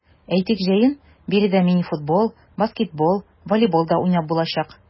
Әйтик, җәен биредә мини-футбол, баскетбол, волейбол да уйнап булачак.